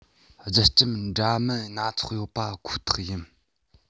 རྒྱུ རྐྱེན འདྲ མིན སྣ ཚོགས ཡོད པ ཁོ ཐག ཡིན